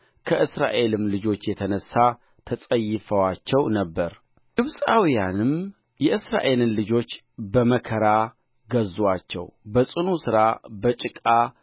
ከእስራኤልም ልጆች የተነሣ ተጸይፈዋቸው ነበር ግብፃውያንም የእስራኤልን ልጆች በመከራ ገዙአቸው በጽኑ ሥራ በጭቃ